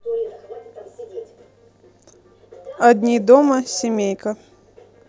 одни дома семейка